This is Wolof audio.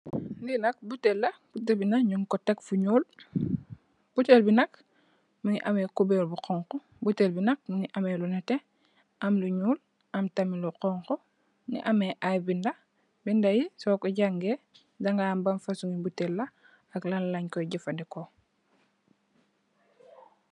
Lee nak butel la butel be nugku tek fu nuul butel be nak muge ameh kuberr bu xonxo butel be nak muge ameh lu neteh am lu nuul am tamin lu xonxo muge ameh aye beda beda ye soku jange daga ham ban fosunge butel la ak lanlenkoye jufaneku.